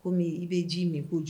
Kɔmi i bɛ ji min ko jo